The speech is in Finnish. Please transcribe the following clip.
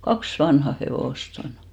kaksi vanhaa hevosta on